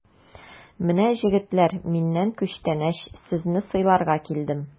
Менә, җегетләр, миннән күчтәнәч, сезне сыйларга килдем!